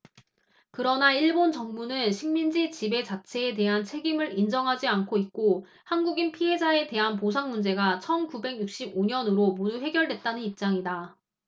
그러나 일본 정부는 식민지 지배 자체에 대한 책임을 인정하지 않고 있고 한국인 피해자에 대한 보상 문제가 천 구백 육십 오 년으로 모두 해결됐다는 입장이다